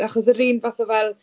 Achos yr un fath o fel...